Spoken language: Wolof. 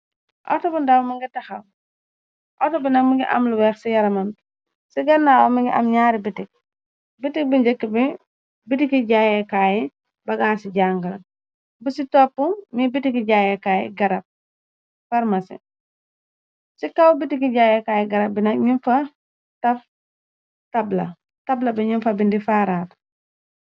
Auto bu ndaw mu nge tahaw. Autobi nak mingi amlu weex ci yaramambi ci gannaaw mingi am ñaari bitik bitik bi njëkk bi bitiki jaayekaayi bagaan ci jangal kaw bitiki jaayekaay garab btabla bi ñu fa bindi faaraat.